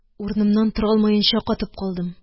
Урынымнан тора алмаенча катып калдым